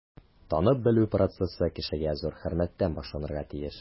Танып-белү процессы кешегә зур хөрмәттән башланырга тиеш.